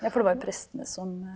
ja for det var jo prestene som .